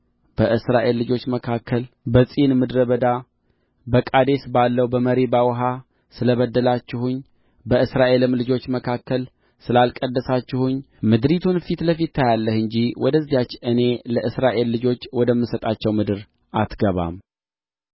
በእስራኤል ልጆች መካከል በጺን ምድረ በዳ በቃዴስ ባለው በመሪባ ውኃ ስለ በደላችሁኝ በእስራኤልም ልጆች መካከል ስላልቀደሳችሁኝ ምድሪቱን ፊት ለፊት ታያለህ እንጂ ወደዚያች እኔ ለእስራኤል ልጆች ወደምሰጣቸው ምድር አትገባም